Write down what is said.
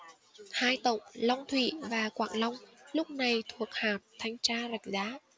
hai tổng long thủy và quảng long lúc này thuộc hạt thanh tra rạch giá